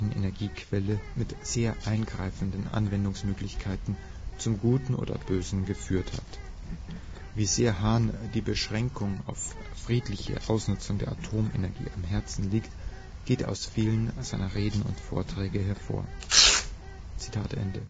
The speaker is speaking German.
Energiequelle mit sehr eingreifenden Anwendungsmöglichkeiten – zum Guten oder Bösen – geführt hat. Wie sehr Hahn die Beschränkung auf friedliche Ausnutzung der Atomenergie am Herzen liegt, geht aus vielen seiner Reden und Vorträge hervor. “Dennoch